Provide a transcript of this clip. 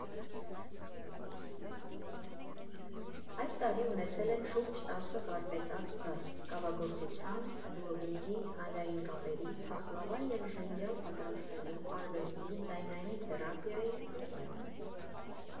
Այս տարի ունեցել են շուրջ տասը վարպետաց դաս՝կավագործության, վլոգինգի, հանրային կապերի, փախլավա և ժենգյալ պատրաստելու, արվեստի, ձայնային թերապիայի և այլն։